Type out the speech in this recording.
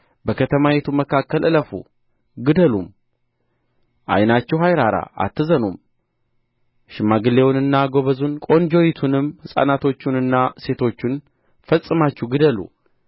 በከተማይቱ መካከል እለፉ ግደሉም ዓይናችሁ አይራራ አትዘኑም ሽማግሌውንና ጐበዙን ቈንጆይቱንም ሕፃናቶቹንና ሴቶቹን ፈጽማችሁ ግደሉ